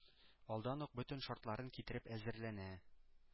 Алдан ук бөтен шартын китереп әзерләнә: